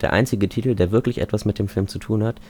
einzige Titel, der wirklich etwas mit dem Film zu tun hat